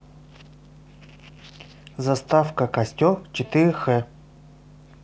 заставка костер четыре к